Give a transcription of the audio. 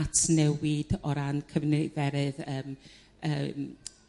at newid o ran cyfniferydd yrm yrr